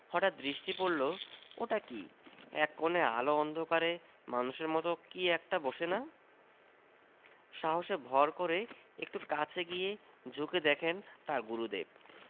হঠাৎ দৃষ্টি পড়ল ওটা কি এক কোণে আলো অন্ধকারে মানুষের মত কি একটা বসে না সাহসে ভর করে একটু কাছে গিয়ে ঝুঁকে দেখেন তাঁর গুরুদেব